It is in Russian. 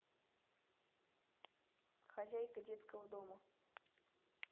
хозяйка детского дома